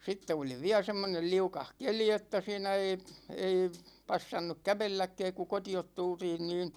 sitten oli vielä semmoinen liukas keli että siinä ei ei passannut kävelläkään kun kotiin tultiin niin